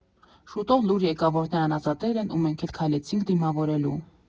Շուտով լուր եկավ, որ նրան ազատել են, ու մենք էլ քայլեցինք դիմավորելու։